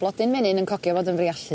blodyn menyn yn cogio fod o'n friallu.